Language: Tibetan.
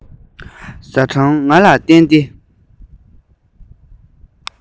ཟ འཕྲོ ང ལ བསྟན ཏེ